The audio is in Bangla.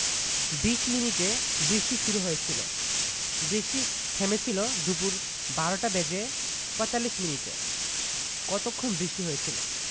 ২০ মিনিটে বৃষ্টি শুরু হয়েছিল বৃষ্টি থেমেছিল দুপুর ১২টা বেজে ৪৫ মিনিটে কতক্ষণ বৃষ্টি হয়েছিল